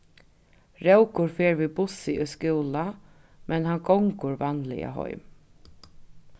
rókur fer við bussi í skúla men hann gongur vanliga heim